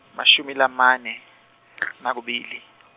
mashumi lamane , nakubili.